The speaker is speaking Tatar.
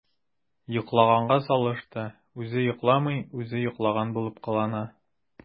“йоклаганга салышты” – үзе йокламый, үзе йоклаган булып кылана.